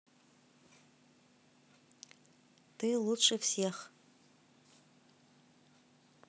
ты лучше всех